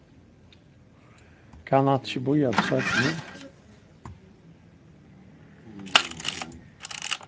kann hatta ikki bíða til seinni